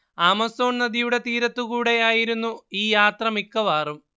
Amazon നദിയുടെ തീരത്തുകൂടെ ആയിരുന്നു ഈ യാത്ര മിക്കവാറും